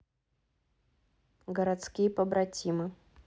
городские побратимы